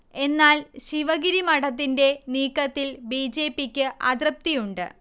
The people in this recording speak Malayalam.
എന്നാൽ ശിവഗിരി മഠത്തിന്റെ നീക്കത്തിൽ ബിജെപിക്ക് അതൃപ്തിയുണ്ട്